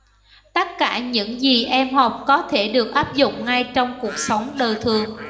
tất cả những gì em học có thể được áp dụng ngay trong cuộc sống đời thường